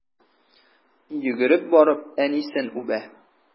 Йөгереп барып әнисен үбә.